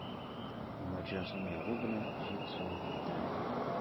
Морҗасын ябу белән, җил суырып бетерә.